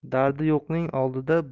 dardi yo'qning oldida